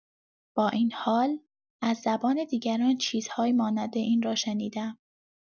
با این حال از زبان دیگران چیزهایی مانند این را شنیدم